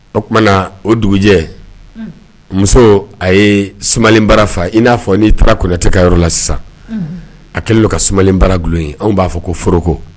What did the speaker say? O tuma na o dugujɛ muso a ye sumalenbara fa i n'a fɔ n'i taara Konatɛ ka yɔrɔ la sisan a kɛ len don ka sumalenbara dulon yen anw b'a fɔ ko foroko